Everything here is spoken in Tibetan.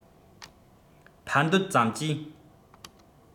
འཕར འདོད ཙམ གྱིས